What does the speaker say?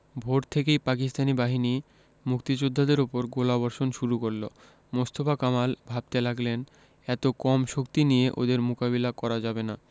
ভোর থেকেই পাকিস্তানি বাহিনী মুক্তিযোদ্ধাদের উপর গোলাবর্ষণ শুরু করল মোস্তফা কামাল ভাবতে লাগলেন এত কম শক্তি নিয়ে ওদের মোকাবিলা করা যাবে না